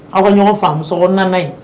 Aw ka ɲɔgɔn faamamuso nana ye